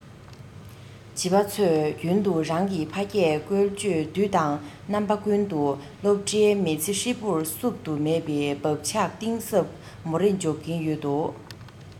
བྱིས པ ཚོས རྒྱུན དུ རང གི ཕ སྐད བཀོལ སྤྱོད དུས དང རྣམ པ ཀུན ཏུ སློབ གྲྭའི མི ཚེ ཧྲིལ པོར བསུབ ཏུ མེད པའི བག ཆགས གཏིང ཟབ མོ རེ འཇོག གིན ཡོད དེ